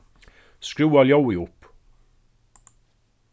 skrúva ljóðið upp